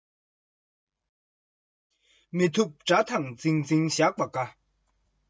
མི ཐུབ དགྲ དང འཛིང འཛིང བཞག པ དགའ